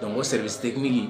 Dɔnku sɛbɛn se